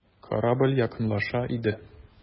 Корабль якынлаша иде.